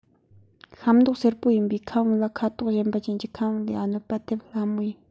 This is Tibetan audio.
ཤ མདོག སེར པོ ཡིན པའི ཁམ བུ ལ ཁ དོག གཞན པ ཅན གྱི ཁམ བུ ལས གནོད པ ཐེབས སླ མོ ཡིན